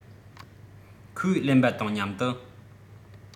ཁོས ལེན པ དང མཉམ དུ